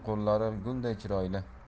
qo'llari gulday chiroyli